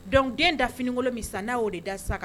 Donc den da finikolon min sa nayo de da sa ka